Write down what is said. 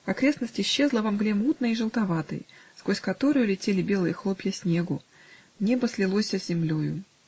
окрестность исчезла во мгле мутной и желтоватой, сквозь которую летели белые хлопья снегу небо слилося с землею.